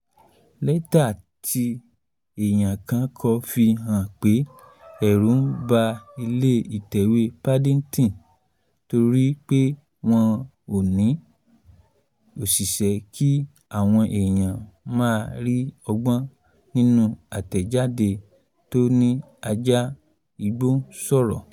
Lẹ́tà tí èẹ̀yàn kan kọ fi hàn pé ẹ̀rù ń ba ilé-ìtẹ̀wé Paddington torí pé wọ́n ní ó ṣẹéṣe kí àwọn èèyàn máa rí ọgbọ́n nínú àtẹ̀jáde tó ní ajá igbó ń sọ̀rọ̀.